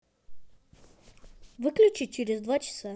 выключи через два часа